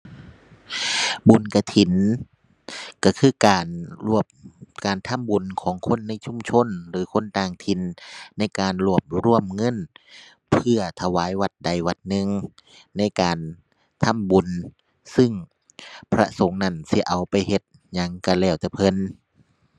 บุญกฐินก็คือการรวบการทำบุญของคนในชุมชนหรือคนต่างถิ่น ในการรวบรวมเงิน เพื่อถวายวัดใดวัดหนึ่งในการทำบุญ ซึ่งพระสงฆ์นั้นสิเอาไปเฮ็ดหยังก็แล้วแต่เพิ่น